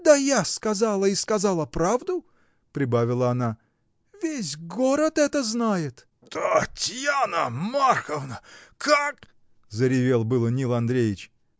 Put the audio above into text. Да я сказала, и сказала правду! — прибавила она. — Весь город это знает. — Татьяна Марковна! как!. — заревел было Нил Андреич.